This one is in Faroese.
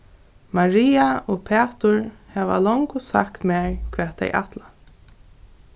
maria og pætur hava longu sagt mær hvat tey ætla